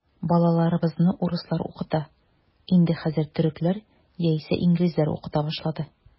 Балаларыбызны урыслар укыта, инде хәзер төрекләр яисә инглизләр укыта башлады.